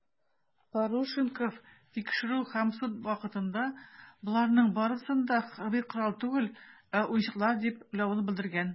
Парушенков тикшерү һәм суд вакытында, боларның барысын да хәрби корал түгел, ә уенчыклар дип уйлавын белдергән.